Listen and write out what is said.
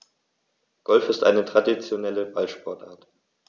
Golf ist eine traditionelle Ballsportart.